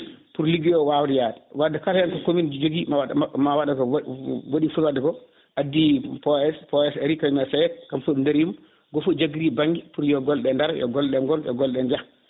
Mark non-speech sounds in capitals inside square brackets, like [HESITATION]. pour ligguey o wawde yaade wadde kala hen ko commune joogui ma waɗa ko [HESITATION] footi wadde ko addi PAS PAS ari kañum e SAED kamɓe foof ɓe daarima goto foof jagguiri banggue pour yo golleɗe daaro yo golleɗe goon yo gooleɗe jaah